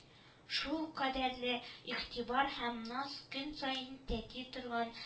Шул кадәрле игътибар һәм наз көн саен тәти торган